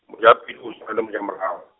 mojapele, o jwa le mojamorao.